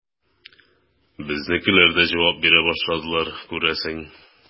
Безнекеләр дә җавап бирә башладылар, күрәсең.